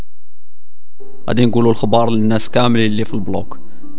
اللي يقولوا اخبار الناس كامل اللي في البلوك